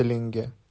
ilm tomar dilingga